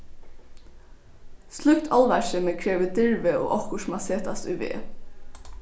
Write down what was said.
slíkt álvarsemi krevur dirvi og okkurt má setast í veð